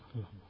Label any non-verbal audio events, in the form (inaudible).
(hesitation) (hesitation)